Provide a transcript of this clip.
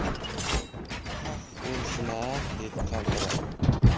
xah o'lsin a dedi qaltirab